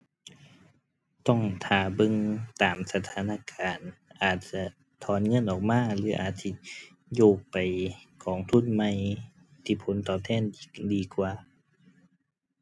ต้องท่าเบิ่งตามสถานการณ์ อาจจะถอนเงินออกมาหรืออาจสิโยกไป กองทุนใหม่ที่ผลตอบแทนดี ดีกว่า